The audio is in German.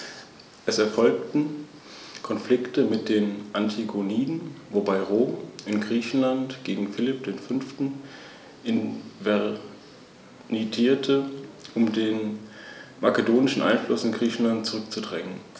Je nach Dauer der Nutzung werden die Horste ständig erweitert, ergänzt und repariert, so dass über Jahre hinweg mächtige, nicht selten mehr als zwei Meter in Höhe und Breite messende Horste entstehen.